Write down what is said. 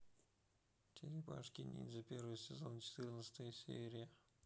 черепашки ниндзя первый сезон четырнадцатая серия